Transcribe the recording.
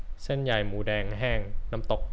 เส้นใหญ่หมูแดงแห้งน้ำตก